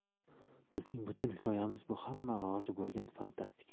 bizning butun hikoyamiz bu hamma rozi bo'lgan fantastika